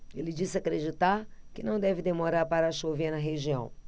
ele disse acreditar que não deve demorar para chover na região